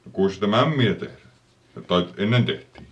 no kuinkas sitä mämmiä tehdään tai ennen tehtiin